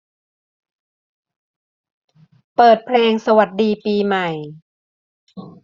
เปิดเพลงสวัสดีปีใหม่